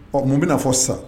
Ɔ mun bɛna fɔ sa